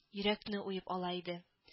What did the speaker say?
Йөрәкне уеп ала иде